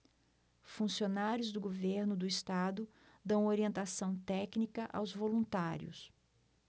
funcionários do governo do estado dão orientação técnica aos voluntários